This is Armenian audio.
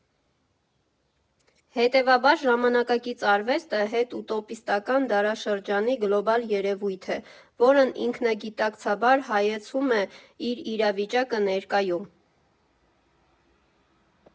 Հետևաբար՝ ժամանակակից արվեստը հետ֊ուտոպիստական դարաշրջանի գլոբալ երևույթ է, որն ինքնագիտակցաբար հայեցում է իր իրավիճակը ներկայում։